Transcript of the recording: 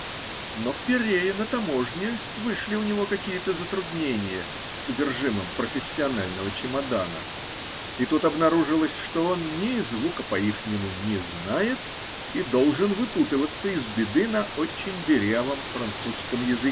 Но в Пирее на таможне вышли у него какие-то затруднения с содержимым профессионального чемодана, и тут обнаружилось, что он ни звука по-ихнему не знает и должен выпутываться из беды на очень дырявом французском языке.